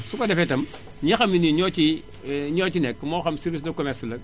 su ko defee itam ñi xam ne ni ñoo ciy ñoo ci nekk moo xam service de commerce la